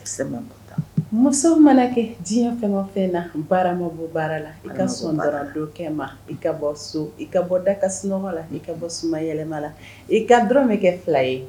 Muso mana kɛ diɲɛ fɛn o fɛn la baara ma bɔ baara la. I ka ma i ka bɔ so i ka bɔ da ka sunɔgɔ la i ka bɔ suma yɛlɛma la i ka dɔrɔn bɛ kɛ fila ye